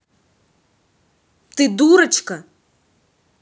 ты дурочка